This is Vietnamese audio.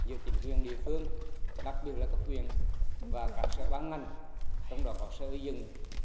giữa chính quyền địa phương đặc biệt là cấp huyện và các sở ban ngành trong đó có sở xây dựng